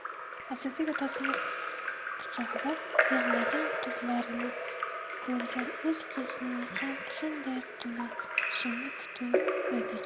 asadbek otasini quchoqlab yig'lagan qizlarni ko'rgan o'z qizining ham shunday qilishini kutib edi